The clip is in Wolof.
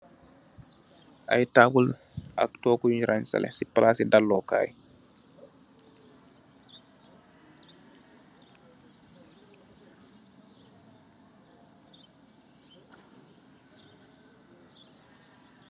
Aye table, ak togu yunge ransaleh si palaasi daloo kaay.